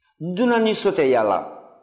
dunan ni so tɛ yaala